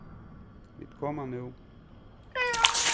vit koma nú